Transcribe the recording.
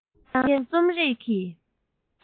ཁྱོད རང རྩོམ རིག གི